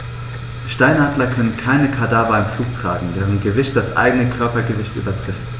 Steinadler können keine Kadaver im Flug tragen, deren Gewicht das eigene Körpergewicht übertrifft.